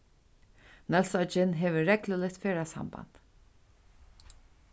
nólsoyggin hevur regluligt ferðasamband